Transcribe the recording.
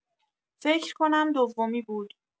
فکر کنم دومی بود